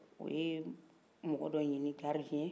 u ye mɔgɔ don ɲinin gardien